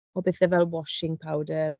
o bethe fel washing powder.